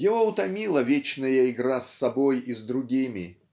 Его утомила вечная игра с собой и с другими